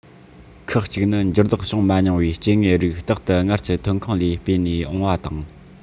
ཁག གཅིག ནི འགྱུར ལྡོག བྱུང མ མྱོང བའི སྐྱེ དངོས རིགས རྟག ཏུ སྔར གྱི ཐོན ཁུངས ལས སྤོས ནས འོངས པ དང